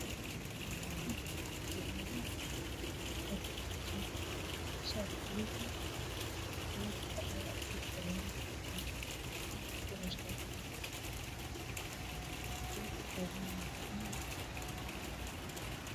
Waa sawir farshaxan waa nin shaati buluug wata oo afka gacanta ka saartay